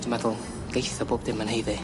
dwi'n meddwl geitho bob dim ma'n heiddi.